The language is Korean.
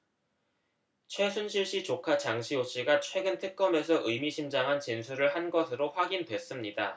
최순실 씨 조카 장시호 씨가 최근 특검에서 의미심장한 진술을 한 것으로 확인됐습니다